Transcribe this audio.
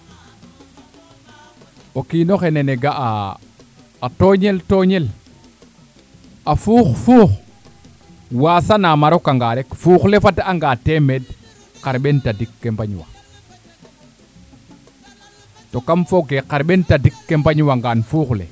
o kiino xe neno ga'a a toñel toñel a fuux fuux wasanam a roka nga rek fuux le fad anga temeed xarɓeen tadike mbañ wa to kam fooge xarɓeen tadike mbañ wanga fuux le